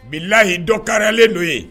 Bi lahiyi dɔnkaralen don ye